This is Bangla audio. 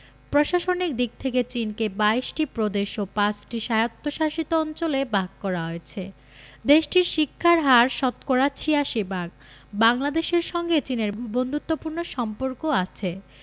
প্রশাসনিক দিক থেকে চিনকে ২২ টি প্রদেশ ও ৫ টি স্বায়ত্তশাসিত অঞ্চলে ভাগ করা হয়েছে দেশটির শিক্ষার হার শতকরা ৮৬ ভাগ বাংলাদেশের সঙ্গে চীনের বন্ধুত্বপূর্ণ সম্পর্ক আছে